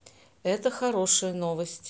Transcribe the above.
это хорошая новость